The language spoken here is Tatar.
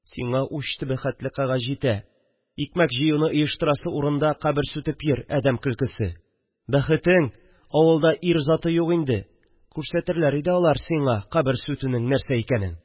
– сиңа уч төбе хәтле кәгазь җитә... икмәк җыюны оештырасы урында кабер сүтеп йөр, әдәм көлкесе... бәхетең, авылда ир-ат заты юк инде. күрсәтерләр иде алар сиңа кабер сүтүнең нәрсә икәнен